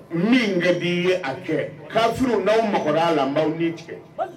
Min kɛ' ye a kɛ' furu n'aw mago'a la an' ni cɛ